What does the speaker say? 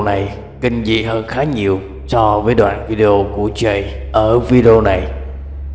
nhưng đoạn video này kinh dị hơn khá nhiều so với đoạn video của jay ở video này